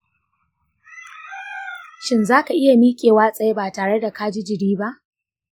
shin zaka iya mikewa tsaye batareda ka ji jiri ba?